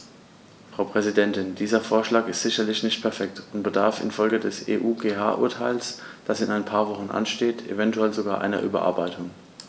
Frau Präsidentin, dieser Vorschlag ist sicherlich nicht perfekt und bedarf in Folge des EuGH-Urteils, das in ein paar Wochen ansteht, eventuell sogar einer Überarbeitung.